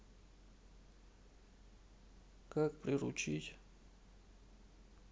как приручить